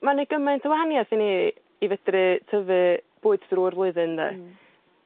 Ma'n neu' gymaint o wahaniath i ni i fedru tyfu bwyd drwy'r flwyddyn 'de? Hmm.